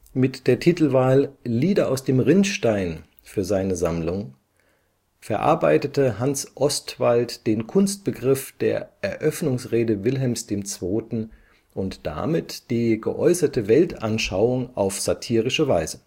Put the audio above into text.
Mit der Titelwahl Lieder aus dem Rinnstein für seine Sammlung verarbeitete Hans Ostwald den Kunstbegriff der Eröffnungsrede Wilhelms II. und damit die geäußerte Weltanschauung auf satirische Weise